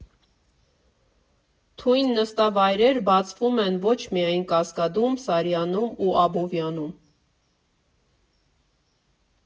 Թույն նստավայրեր բացվում են ոչ միայն Կասկադում, Սարյանում ու Աբովյանում։